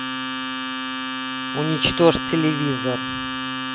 уничтожь телевизор